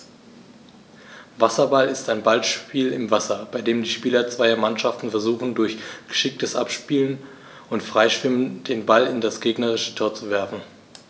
Wasserball ist ein Ballspiel im Wasser, bei dem die Spieler zweier Mannschaften versuchen, durch geschicktes Abspielen und Freischwimmen den Ball in das gegnerische Tor zu werfen.